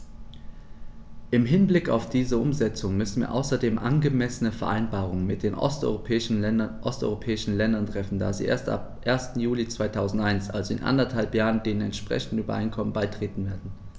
Im Hinblick auf diese Umsetzung müssen wir außerdem angemessene Vereinbarungen mit den osteuropäischen Ländern treffen, da sie erst ab 1. Juli 2001, also in anderthalb Jahren, den entsprechenden Übereinkommen beitreten werden.